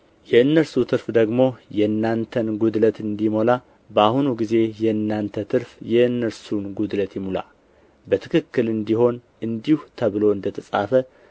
የእነርሱ ትርፍ ደግሞ የእናንተን ጉድለት እንዲሞላ በአሁኑ ጊዜ የእናንተ ትርፍ የእነርሱን ጉድለት ይሙላ በትክክል እንዲሆን እንዲህ ተብሎ እንደ ተጻፈ